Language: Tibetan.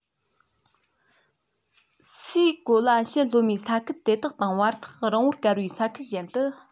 སའི གོ ལའི ཕྱེད ལྷོ མའི ས ཁུལ དེ དག དང བར ཐག རིང བོར གར པའི ས ཁུལ གཞན དུ